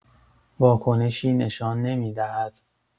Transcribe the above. واکنشی نشان نمی‌دهد.